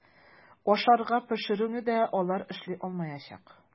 Ашарга пешерүне дә алар эшли алмаячак.